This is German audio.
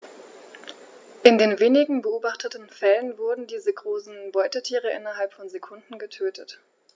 In den wenigen beobachteten Fällen wurden diese großen Beutetiere innerhalb von Sekunden getötet.